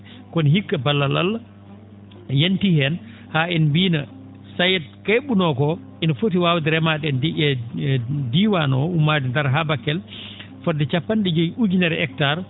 kono hikka ballal Allah yantii heen haa en mbii no SAED ko e??unoo koo ina foti waawde remaade e e diiwaan oo ummaade Ndar haa Bakel fodde cappan?e joyi ujunere hectares